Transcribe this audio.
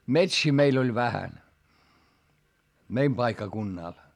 metsiä meillä oli vähän meidän paikkakunnalla